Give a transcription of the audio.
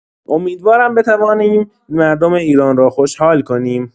امیدوارم بتوانیم مردم ایران را خوشحال کنیم.